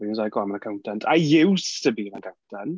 And he was like "I'm an accountant". I used to be an accountant.